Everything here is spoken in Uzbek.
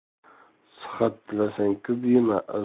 sihat tilasang ko'p yema